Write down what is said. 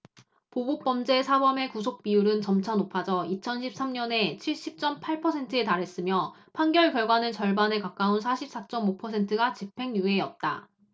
보복 범죄 사범의 구속 비율은 점차 높아져 이천 십 삼 년에 칠십 쩜 팔 퍼센트에 달했으며 판결 결과는 절반에 가까운 사십 사 쩜 오 퍼센트가 집행유예였다